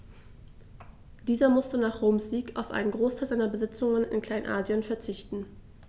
Dieser musste nach Roms Sieg auf einen Großteil seiner Besitzungen in Kleinasien verzichten.